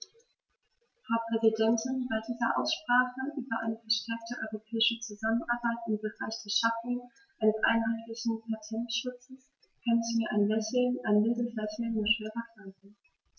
Frau Präsidentin, bei dieser Aussprache über eine verstärkte europäische Zusammenarbeit im Bereich der Schaffung eines einheitlichen Patentschutzes kann ich mir ein Lächeln - ein mildes Lächeln - nur schwer verkneifen.